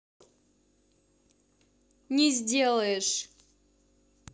не сделаешь